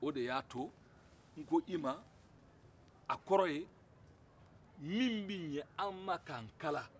o de y'a tɔ n k'i ma a kɔrɔ ye min bɛ ɲɛ an ma k'an kala